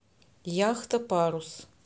яхта парус